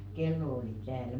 kello oli täällä